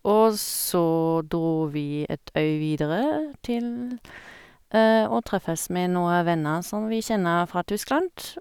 Og så dro vi et øy videre, til å treffes med noe venner som vi kjenner fra Tyskland.